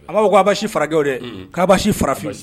A ma ko' baasi furakɛke de k'a baasi fara fiye